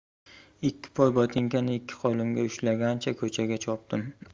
ikki poy botinkani ikki qo'limda ushlagancha ko'chaga chopdim